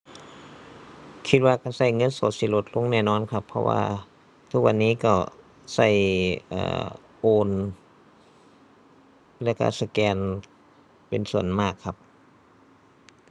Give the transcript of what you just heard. คิดว่าการใช้เงินสดสิลดลงแน่นอนครับ เพราะว่าทุกวันนี้ก็ใช้ เอ่อ โอนแล้วใช้สแกนเป็นส่วนมากครับ